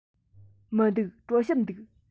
མི འདུག གྲོ ཞིབ འདུག